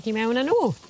ac i mewn â n'w.